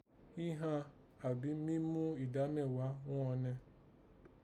Híhan àbí mímú ìdámẹ́ghàá ghún ọnẹ